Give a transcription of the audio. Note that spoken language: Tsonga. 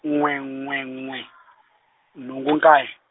n'we n'we n'we , nhungu nkaye.